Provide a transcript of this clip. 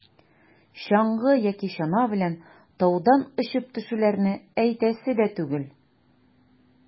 Чаңгы яки чана белән таудан очып төшүләрне әйтәсе дә түгел.